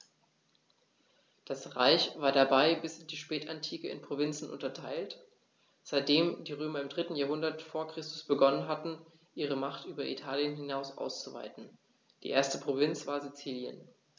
Das Reich war dabei bis in die Spätantike in Provinzen unterteilt, seitdem die Römer im 3. Jahrhundert vor Christus begonnen hatten, ihre Macht über Italien hinaus auszuweiten (die erste Provinz war Sizilien).